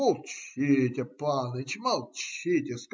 - Молчите, паныч, молчите!